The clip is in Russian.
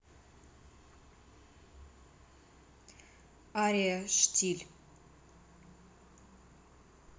ария штиль